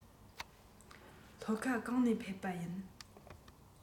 ལྷོ ཁ གང ནས ཕེབས པ ཡིན